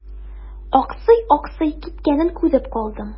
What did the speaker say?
Аксый-аксый киткәнен күреп калдым.